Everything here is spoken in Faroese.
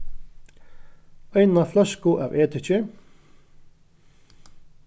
eina fløsku av ediki